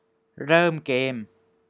เริ่มเกม